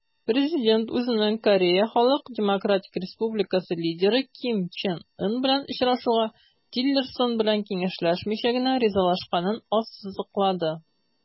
Президент үзенең КХДР лидеры Ким Чен Ын белән очрашуга Тиллерсон белән киңәшләшмичә генә ризалашканын ассызыклады.